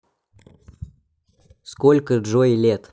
сколько джой лет